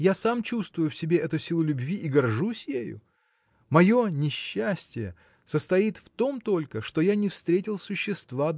– я сам чувствую в себе эту силу любви и горжусь ею. Мое несчастие состоит в том только что я не встретил существа